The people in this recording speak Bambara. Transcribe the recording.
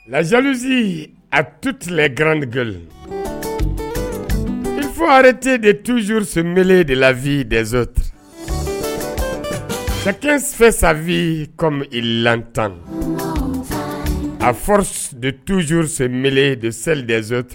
Lazaliliz a tuti garangɛ la ni fɔɔrirete de tuzyour senbeele de la v dzoti masakɛ fɛn san v kɔnɔ i la tan a de tuz senmeele de selidzote